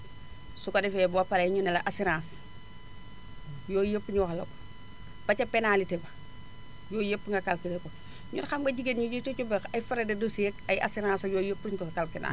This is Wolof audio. su ko defee boo paree ñu ne la assurance yooyu yëpp ñu wax la ko ba ca pénélité ba yooyu yëpp nga calculé ko mais xam nga jigéen ñi yooyu yëpp du ci bokk ay frais de dossiers ak ay assurances ak yooyu yëpp duñu ko calculé waale